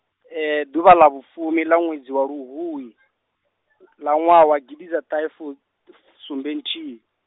ḓuvha ḽa vhufumi ḽa ṅwedzi wa luhuhi, ḽa ṅwaha wa gididatahefu- -t -sumbenthihi.